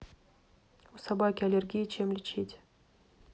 у собаки аллергия чем лечить